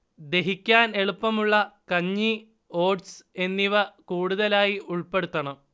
ദഹിക്കാൻ എളുപ്പമുള്ള കഞ്ഞി, ഓട്സ് എന്നിവ കൂടുതലായി ഉൾപ്പെടുത്തണം